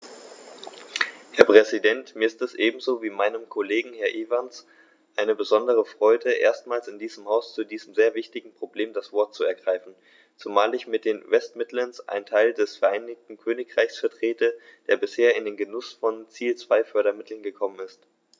Herr Präsident, mir ist es ebenso wie meinem Kollegen Herrn Evans eine besondere Freude, erstmals in diesem Haus zu diesem sehr wichtigen Problem das Wort zu ergreifen, zumal ich mit den West Midlands einen Teil des Vereinigten Königreichs vertrete, der bisher in den Genuß von Ziel-2-Fördermitteln gekommen ist.